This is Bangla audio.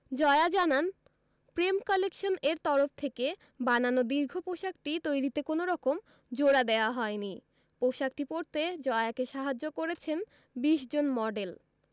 জয়া জানান প্রেম কালেকশন এর তরফ থেকে বানানো দীর্ঘ পোশাকটি তৈরিতে কোনো রকম জোড়া দেয়া হয়নি পোশাকটি পরতে জয়াকে সাহায্য করেছেন ২০ জন মডেল